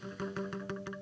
tôi